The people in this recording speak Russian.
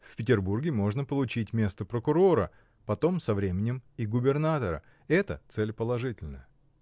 в Петербурге можно получить место прокурора, потом, со временем, и губернатора, — это цель положительная.